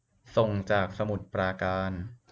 ส่งจากสมุทรปราการ